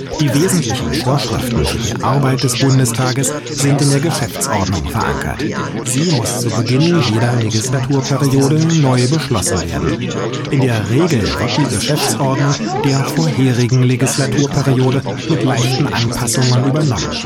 Die wesentlichen Vorschriften für die Arbeit des Bundestages sind in der Geschäftsordnung verankert. Sie muss zu Beginn jeder Legislaturperiode neu beschlossen werden. In der Regel wird die Geschäftsordnung der vorherigen Legislaturperiode mit leichten Anpassungen übernommen